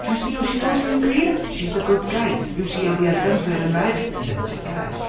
Do you see how she's always wearing green? She's the good guy. Do you see how the husband's wearing red? He's a dickhead.